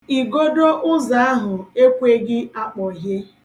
Igodo ụzọ ahụ ekweghị akpohie.